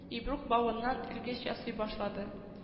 Ибрук бавыннан элгеч ясый башлады